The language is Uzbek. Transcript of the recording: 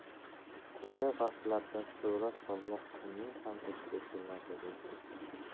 o'sha vaqtlarda surat solmoq kimning ham esiga kelardi deysiz